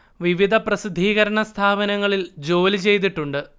വിവിധ പ്രസിദ്ധീകരണ സ്ഥാപനങ്ങളിൽ ജോലി ചെയ്തിട്ടുണ്ട്